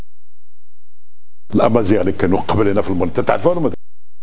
الامازيغ في المنطقه